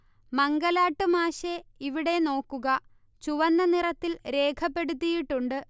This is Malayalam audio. മംഗലാട്ട് മാശെ ഇവിടെ നോക്കുക ചുവന്ന നിറത്തിൽ രേഖപ്പെടുത്തിയിട്ടുണ്ട്